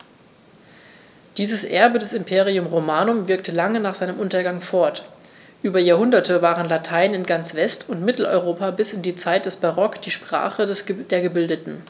Dieses Erbe des Imperium Romanum wirkte lange nach seinem Untergang fort: Über Jahrhunderte war Latein in ganz West- und Mitteleuropa bis in die Zeit des Barock die Sprache der Gebildeten.